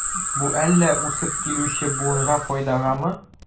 Бу әллә үсеп килүче буынга файдагамы?